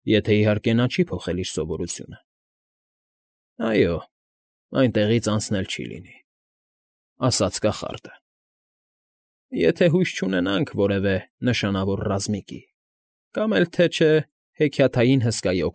Եթե, իհարկե, նա չի փոխել իր սովորությունը։ ֊ Այո, այնտեղից անցնել չի լինի,֊ ասաց կախարդը,֊ եթե հույս չունենանք որևէ նշանավոր ռազմիկի, կամ էլ թե չէ հեքիաթային հսկայի։